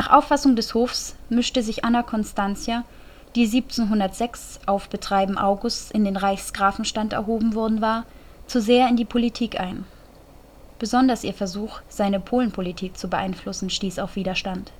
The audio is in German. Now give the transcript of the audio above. Auffassung des Hofs mischte sich Anna Constantia, die 1706 auf Betreiben Augusts in den Reichsgrafenstand erhoben worden war, zu sehr in die Politik ein. Besonders ihr Versuch, seine Polenpolitk zu beeinflussen, stieß auf Widerstand